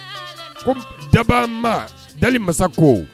Ko da ma da masa ko